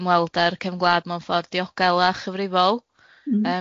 ymweld â'r cefn gwlad mewn ffordd diogel a chyfrifol